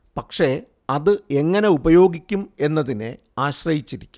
പക്ഷെ അത് എങ്ങനെ ഉപയോഗിക്കും എന്നതിനെ ആശ്രയ്ചിരിക്കും